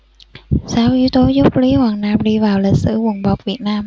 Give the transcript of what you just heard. sáu yếu tố giúp lý hoàng nam đi vào lịch sử quần vợt việt nam